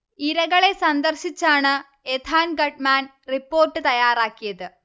ഇരകളെ സന്ദർശിച്ചാണ് Ethan Gutmann report തയാറാക്കിയത്